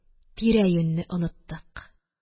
Тирә-юньне оныттык.